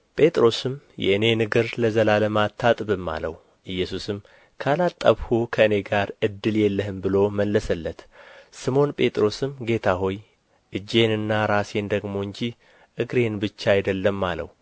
ጴጥሮስም የእኔን እግር ለዘላለም አታጥብም አለው ኢየሱስም ካላጠብሁህ ከእኔ ጋር ዕድል የለህም ብሎ መለሰለት ስምዖን ጴጥሮስም ጌታ ሆይ እጄንና ራሴን ደግሞ እንጂ እግሬን ብቻ አይደለም አለው